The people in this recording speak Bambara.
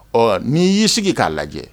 Ɔ n'i y'i sigi k'a lajɛ